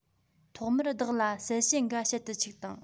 ཐོག མར བདག ལ གསལ བཤད འགའ བྱེད དུ ཆུག དང